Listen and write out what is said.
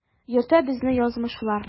Йөртә безне язмышлар.